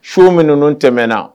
Sun min nunnu tɛmɛ na